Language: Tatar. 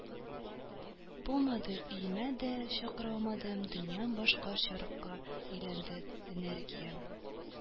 Булмады, өемә дә чакыра алмадым, дөньям башкачаракка әйләнде, энергиям